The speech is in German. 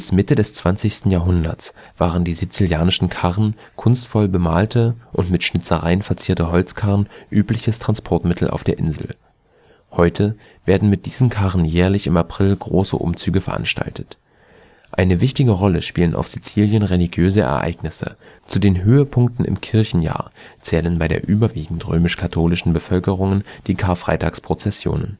Mitte des 20. Jahrhunderts waren die Sizilianischen Karren, kunstvoll bemalte und mit Schnitzereien verzierte Holzkarren, übliches Transportmittel auf der Insel. Heute werden mit diesen Karren jährlich im April große Umzüge veranstaltet. Eine wichtige Rolle spielen auf Sizilien religiöse Ereignisse. Zu den Höhepunkten im Kirchenjahr zählen bei der überwiegend römisch-katholischen Bevölkerung die Karfreitagsprozessionen